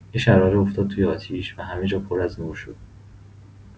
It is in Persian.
یه شراره افتاد توی آتیش و همه جا پر از نور شد.